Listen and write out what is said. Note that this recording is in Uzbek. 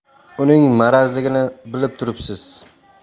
uning marazligini bilib turibsiz